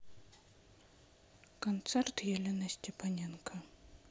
концерт елены степаненко